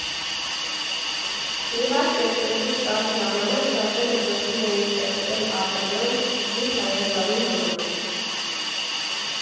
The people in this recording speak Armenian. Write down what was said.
Իհարկե, սկզբից կարճ ժամանակ շատերը ձգտում էին ստեղծել արտադրանք զուտ Հայաստանի համար։